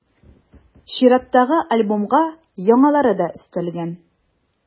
Чираттагы альбомга яңалары да өстәлгән.